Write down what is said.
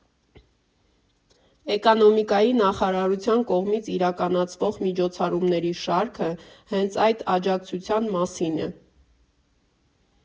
Էկոնոմիկայի նախարարության կողմից իրականցվող միջոցառումների շարքը հենց այդ աջակցության մասին է։